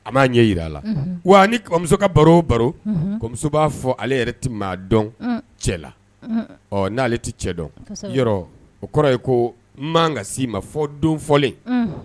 A b'a ɲɛ jira a la wa nimuso ka baro baromuso b'a fɔ ale yɛrɛ tɛ maa dɔn cɛ la ɔ n'ale ale tɛ cɛ dɔn yɔrɔ o kɔrɔ ye ko man ka' ma fɔ donfɔlen